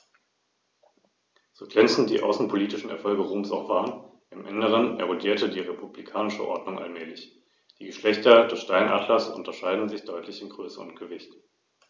Der Sieg über Karthago im 1. und 2. Punischen Krieg sicherte Roms Vormachtstellung im westlichen Mittelmeer.